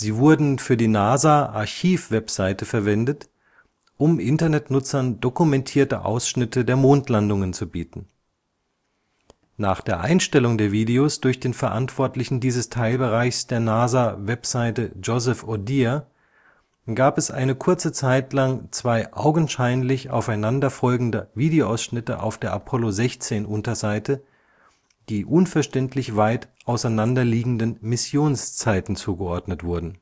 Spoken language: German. wurden für die NASA-Archiv-Website verwendet, um Internetnutzern dokumentierte Ausschnitte der Mondlandungen zu bieten. Nach der Einstellung der Videos durch den Verantwortlichen dieses Teilbereichs der NASA-Website Joseph O’ Dea gab es eine kurze Zeit lang zwei augenscheinlich aufeinander folgende Videoausschnitte auf der Apollo-16-Unterseite, die unverständlich weit auseinanderliegenden Missionszeiten zugeordnet wurden